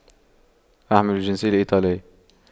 أحمل الجنسية الإيطالية